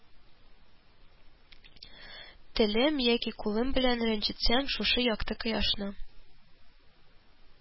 Телем яки кулым белән рәнҗетсәм, шушы якты кояшны